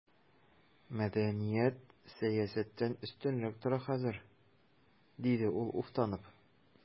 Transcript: Мәдәният сәясәттән өстенрәк тора хәзер, диде ул уфтанып.